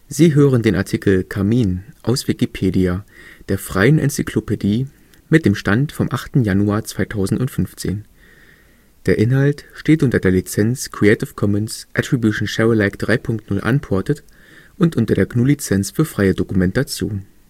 Sie hören den Artikel Kamin, aus Wikipedia, der freien Enzyklopädie. Mit dem Stand vom Der Inhalt steht unter der Lizenz Creative Commons Attribution Share Alike 3 Punkt 0 Unported und unter der GNU Lizenz für freie Dokumentation